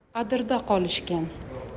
adirda qolishgan